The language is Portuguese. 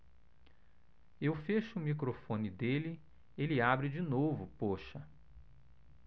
eu fecho o microfone dele ele abre de novo poxa